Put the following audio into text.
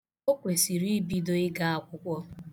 O kwesiri ibido ịga akwụkwọ.